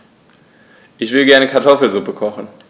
Ich will gerne Kartoffelsuppe kochen.